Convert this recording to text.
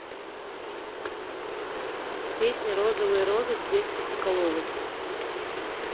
песня розовые розы светки соколовой